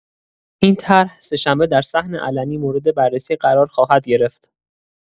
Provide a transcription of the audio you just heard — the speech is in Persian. این طرح سه‌شنبه در صحن علنی مورد بررسی قرار خواهد گرفت.